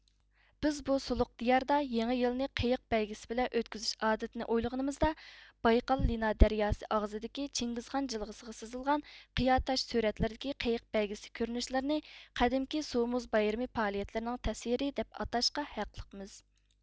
بىز بۇ سۇلۇق دىياردا يېڭى يىلنى قېيىق بەيگىسى بىلەن ئۆتكۈزۈش ئادىتىنى ئويلىغىنىمىزدا بايقال لىنا دەرياسى ئاغزىدىكى چىڭگىزخان جىلغىسىغا سىزىلغان قىيا تاش سۈرەتلىرىدىكى قېيىق بەيگىسى كۆرۈنۈشلىرىنى قەدىمكى سۇ مۇز بايرىمى پائالىيەتلىرىنىڭ تەسۋىرى دەپ ئاتاشقا ھەقلىقمىز